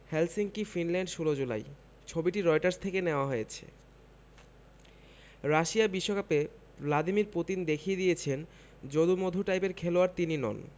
Helsinki Finland ১৬ July ছবিটি Reuters থেকে নেয়া হয়েছে রাশিয়া বিশ্বকাপে ভ্লাদিমির পুতিন দেখিয়ে দিয়েছেন যদু মধু টাইপের খেলোয়াড় তিনি নন